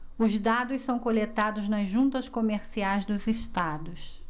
os dados são coletados nas juntas comerciais dos estados